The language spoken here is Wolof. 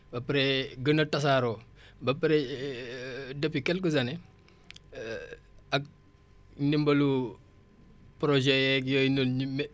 ba pare gën a tasaaroo ba pare depuis quelques années ak ndimbalu projet yeeg yooyu noonu ñu